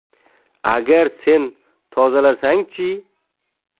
agar sen tozalasang chi